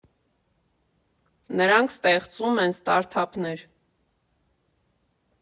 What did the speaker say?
ՆՐԱՆՔ ՍՏԵՂԾՈՒՄ ԵՆ ՍՏԱՐՏԱՓՆԵՐ։